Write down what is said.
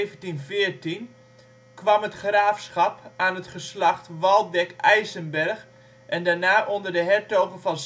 1714 kwam het graafschap aan het geslacht Waldeck-Eisenberg en daarna onder de hertogen van